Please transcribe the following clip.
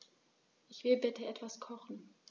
Ich will bitte etwas kochen.